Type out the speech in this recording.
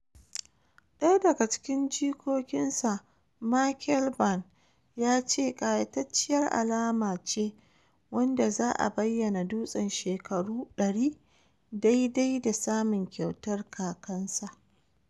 Ɗaya daga cikin jikokinsa, Michael Vann, ya ce "kayatacciyar alama" ce wanda za a bayyana dutsen shekaru 100 daidai da samun kyautar kakansa.